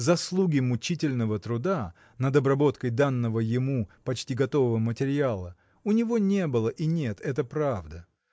Заслуги мучительного труда над обработкой данного ему, почти готового материала — у него не было и нет: это правда.